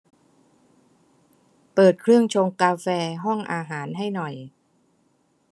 เปิดเครื่องชงกาแฟห้องอาหารให้หน่อย